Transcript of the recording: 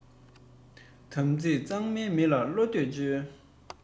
དམ ཚིག གཙང མའི མི ལ བློ གཏད བཅོལ